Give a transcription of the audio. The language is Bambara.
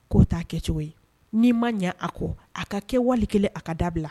Ko t ta kɛ cogo ye n'i ma ɲɛ a ko a ka kɛ wali kelen a ka dabila